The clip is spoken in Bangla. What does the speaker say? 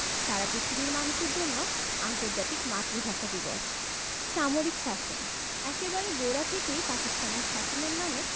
সারা পৃথিবীর মানুষের জন্যে আন্তর্জাতিক মাতৃভাষা দিবস সামরিক শাসন একেবারে গোড়া থেকেই পাকিস্তানে শাসনের নামে